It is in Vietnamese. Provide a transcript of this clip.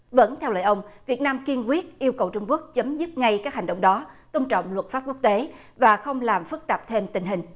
vẫn theo lời ông việt nam kiên quyết yêu cầu trung quốc chấm dứt ngay các hành động đó tôn trọng luật pháp quốc tế và không làm phức tạp thêm tình hình